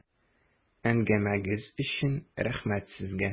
Әңгәмәгез өчен рәхмәт сезгә!